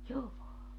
joo